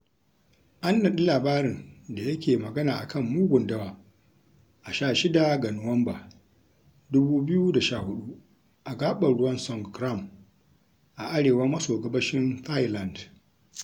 An naɗi labarin da yake magana a kan mugun dawa a 16 ga Nuwamba, 2014 a gaɓar ruwan Songkram a arewa maso gabashin Thailand.